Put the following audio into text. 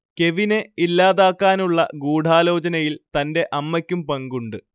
കെവിനെ ഇല്ലാതാക്കാനുള്ള ഗൂഢാലോചനയിൽ തന്റെ അമ്മയ്ക്കും പങ്കുണ്ട്